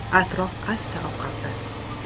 atrof asta oqardi